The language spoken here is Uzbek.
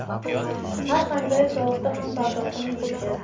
har qanday sovuqda ham paltosini yechib